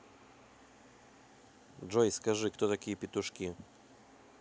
джой скажи кто такие петушки